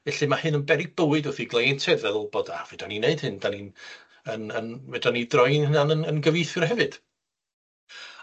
Felly ma' hyn yn beryg bywyd wrth i gleientiaid feddwl bod A, fedran ni neud hyn, 'dan ni'n yn yn fedra ni droi'n hunan yn yn gyfieithwyr hefyd.